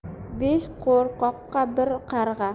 besh qo'rqoqqa bir qarg'a